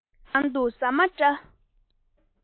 བརྐུས ནས ཟ ཡི ཡོད